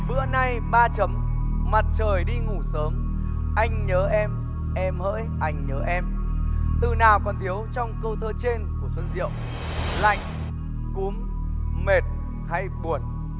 bữa nay ba chấm mặt trời đi ngủ sớm anh nhớ em em hỡi anh nhớ em từ nào còn thiếu trong câu thơ trên của xuân diệu lạnh cúm mệt hay buồn